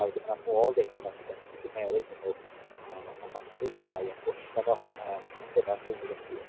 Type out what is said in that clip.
A wedyn mae 'na modd wedyn os ydach chi'n mynd i gymeryd hwnnw a addasu AI a gwella fo yym ar gyfer deunydd eich hun.